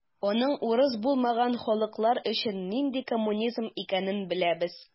Аның урыс булмаган халыклар өчен нинди коммунизм икәнен беләбез.